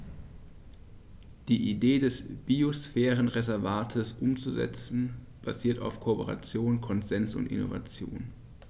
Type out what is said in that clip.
Die Idee des Biosphärenreservates umzusetzen, basiert auf Kooperation, Konsens und Innovation.